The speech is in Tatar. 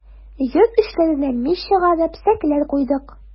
Йорт эчләренә мич чыгарып, сәкеләр куйдык.